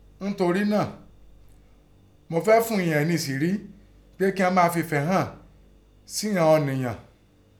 Ńtorí náà, mọ fẹ́ ún inọn ọ̀ǹyàn níṣìírí ghíi kín ọn máa fẹfẹ́ hàn sẹ́ọ̀n ọn ọ̀ǹyàn.